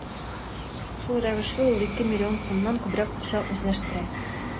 Шул рәвешле ул ике миллион сумнан күбрәк акча үзләштерә.